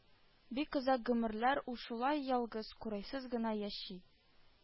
Бик озак гомерләр ул шулай ялгыз, курайсыз гына яши